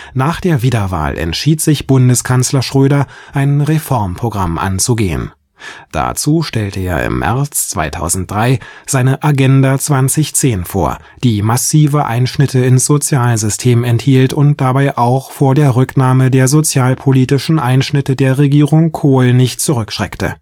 Nach der Wiederwahl entschied sich Bundeskanzler Schröder, ein Reformprogramm anzugehen. Dazu stellte er im März 2003 seine Agenda 2010 vor, die massive Einschnitte ins Sozialsystem enthielt und dabei auch vor der Rücknahme der sozialpolitischen Einschnitte der Regierung Kohl nicht zurückschreckte